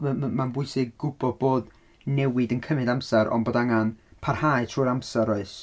M- m- m- mae'n bwysig gwbod bod newid yn cymryd amser ond bod angen parhau trwy'r amser oes?